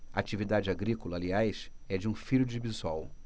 a atividade agrícola aliás é de um filho de bisol